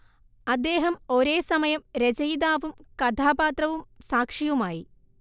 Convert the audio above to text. അദ്ദേഹം ഒരേസമയം രചയിതാവും കഥാപാത്രവും സാക്ഷിയുമായി